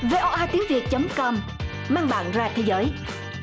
vê o a tiếng việt chấm com mang bạn ra thế giới